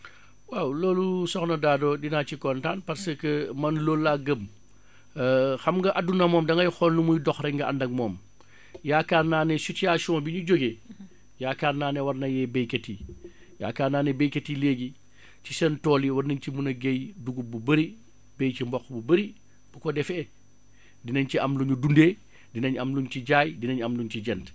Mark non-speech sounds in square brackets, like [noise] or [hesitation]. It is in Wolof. waaw loolu soxna Dado dinaa ci kontaan parce que man loolu laa gëm [hesitation] xam nga àdduna moom da ngay xool nu muy dox rekk nga ànd ak moom yaakaar naa ne situation bi ñu jógee yaakaar naa ne war na yee baykat yi yaakaar naa ne baykat yi léegi ci seen tool yi war nañu ci mën a bay dugub bu bari bay ci mboq bu bari bu ko defee dinañ ci am lu ñu dundee dinañ am luñ ci jaay dinañ am luñ ci jënd